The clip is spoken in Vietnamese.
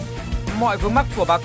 mọi vướng mắc của bà